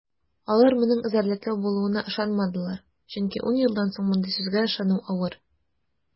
Алар моның эзәрлекләү булуына ышанмадылар, чөнки ун елдан соң мондый сүзгә ышану авыр.